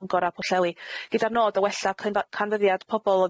a Pwllheli, gyda'r nod o wella can- canfyddiad pobol o